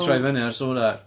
Troi fyny ar sonar.